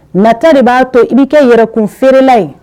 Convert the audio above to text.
Nata de b'a to i bɛ kɛ yɛrɛkun feereerela ye